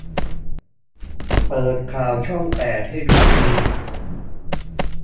เปิดข่าวช่องแปดให้ดูที